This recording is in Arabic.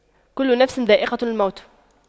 كُلُّ نَفسٍ ذَائِقَةُ المَوتِ